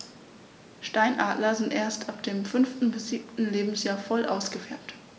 Steinadler sind erst ab dem 5. bis 7. Lebensjahr voll ausgefärbt.